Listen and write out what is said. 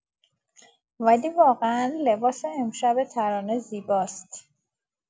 ولی واقعا لباس امشب ترانه زیباست.